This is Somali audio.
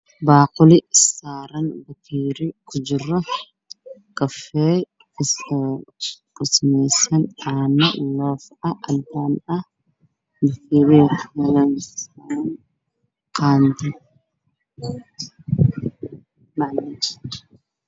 Waa saxan waxaa saaran koob waxaa ku jira kafee midabkiisu yahay gaalo